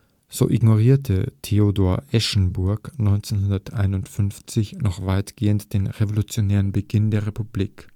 So ignorierte Theodor Eschenburg 1951 noch weitgehend den revolutionären Beginn der Republik